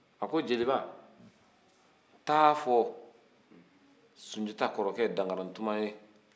a ko jeliba taa fɔ sunjata kɔrɔkɛ dankaratuma ye